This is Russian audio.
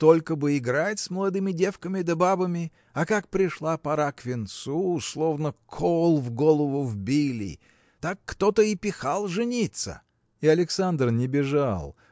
только бы играть с молодыми девками да бабами а как пришла пора к венцу словно кол в голову вбили так кто-то и пихал жениться! И Александр не бежал.